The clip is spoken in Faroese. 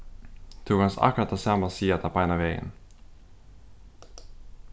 tú kanst akkurát tað sama siga tað beinanvegin